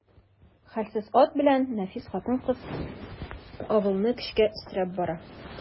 Хәлсез ат белән нәфис хатын-кыз авылны көчкә өстерәп бара.